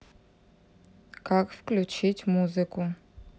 как включить музыку